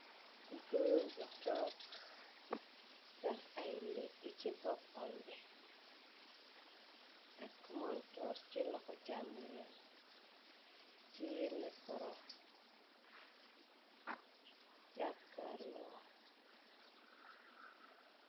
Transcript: Goor bu took daf ay lëtte ci boppambe takk montor ci laxo jàmmayam tiemekoro jàkkaarloo.